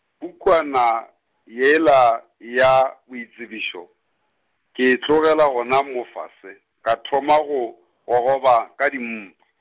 pukwana, yela, ya boitsebišo, ke tlogela gona moo fase, ka thoma go, gogoba, ka dimpa.